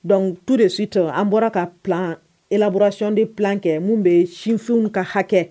Donc tout de suite an bɔra ka plan élaboration de plan kɛ mun bi sifinw ka hakɛ